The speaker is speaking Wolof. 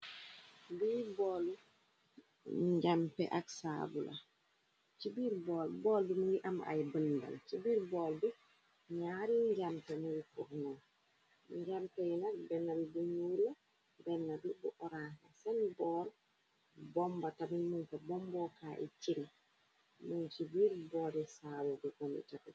Biir boolu njampe ak saabu la, ci biir bool bi, bool bi mi ngi am ay bëndal, ci biir bool bi ñaari njamte nuy fuf non, njampe yi nak benn bi buñuul la, benn bi bu oraans, seen boor bomba tamit muñ fa, bombokaay cin, mun ci biir booli saabu bi tamit.